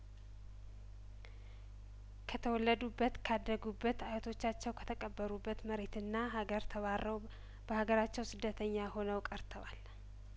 ከተወለዱ በት ካደጉ በት አያቶቻቸው ከተቀበሩ በት መሬትና ሀገር ተባረው በሀገራቸው ስደተኛ ሆነው ቀርተዋል